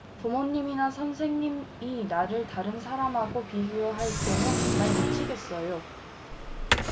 부모님이나 선생님이 나를 다른 사람하고 비교할 때면 정말 미치겠어요